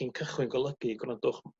cyn cychwyn golygu gwrandwch